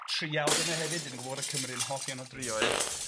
triawd yma hefyd 'dan ni'n gw bod y Cymru hoff iawn o drioedd